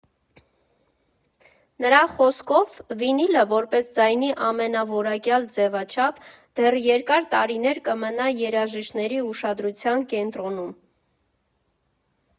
Նրա խոսքով՝ վինիլը՝ որպես ձայնի ամենաորակյալ ձևաչափ, դեռ երկար տարիներ կմնա երաժիշտների ուշադրության կենտրոնում։